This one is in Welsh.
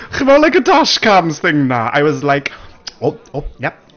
Chimod, like y dash cams thing 'na. I was like, oop, oop, yep